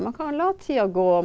man kan la tida gå.